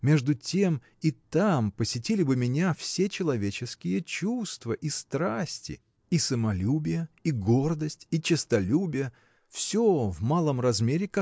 Между тем и там посетили бы меня все человеческие чувства и страсти и самолюбие и гордость и честолюбие – все в малом размере